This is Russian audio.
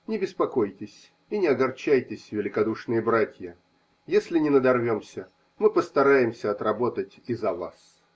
– не беспокойтесь и не огорчайтесь, великодушные братья: если не надорвемся, мы постараемся отработать и за вас.